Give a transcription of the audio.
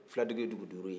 fula dugu ye dugu duuru ye